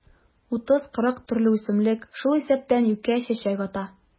30-40 төрле үсемлек, шул исәптән юкә чәчәк ата.